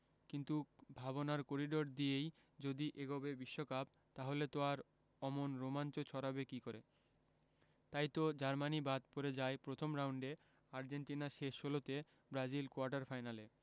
কিন্তু ভাবনার করিডর দিয়েই যদি এগোবে বিশ্বকাপ তাহলে আর তা অমন রোমাঞ্চ ছড়াবে কী করে তাইতো জার্মানি বাদ পড়ে যায় প্রথম রাউন্ডে আর্জেন্টিনা শেষ ষোলোতে ব্রাজিল কোয়ার্টার ফাইনালে